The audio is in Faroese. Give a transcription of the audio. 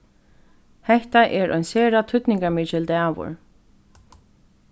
hetta er ein sera týdningarmikil dagur